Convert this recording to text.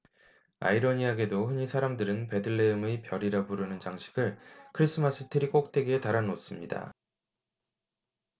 아이러니하게도 흔히 사람들은 베들레헴의 별이라 부르는 장식을 크리스마스트리 꼭대기에 달아 놓습니다